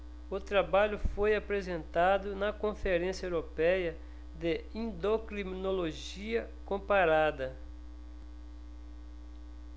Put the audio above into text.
o trabalho foi apresentado na conferência européia de endocrinologia comparada